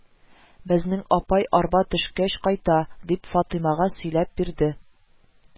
– безнең апай арба төшкәч кайта, – дип, фатыймага сөйләп бирде